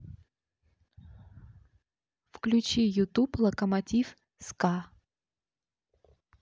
включи ютуб локомотив ска